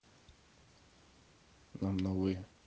нам новые